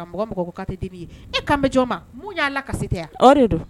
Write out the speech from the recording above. A mɔgɔ mɔgɔ ko tɛ dibi ye e ka bɛ jɔn ma mun y'a la ka se tɛ yan de don